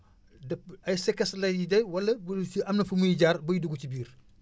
dëpp ay * lay de wala bu am na fu muy jaar bay dugg ci biir